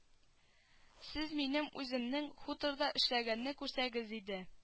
Сез минем үземнең хуторда эшләгәнне күрсәгез иде